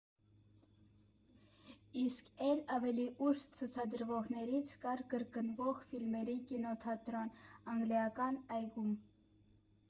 Իսկ էլ ավելի ուշ ցուցադրվողներից կար կրկնվող ֆիլմերի կինոթատրոն՝ Անգլիական այգում։